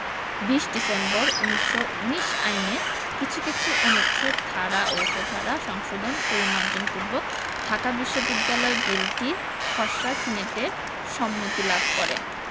২০ December ১৯১৯ আইনে কিছু কিছু অনুচ্ছেদ ধারা ও উপধারা সংশোধন পরিমার্জন পূর্বক ঢাকা বিশ্ববিদ্যালয় বিলটির খসড়া সিনেটের সম্মতি লাভ করে